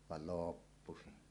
vaan loppu se